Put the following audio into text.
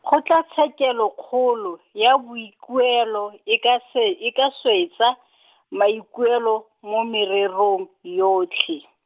Kgotlatshekelokgolo, ya boikuelo, e ka se e ka swetsa , maikuelo, mo mererong, yotlhe.